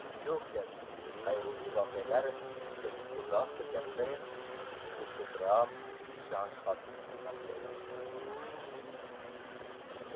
shunga o'xshash qayg'uli voqealar ichiga chuqurroq kirgani sayin bunga ko'proq ishonch hosil qilmoqdaydi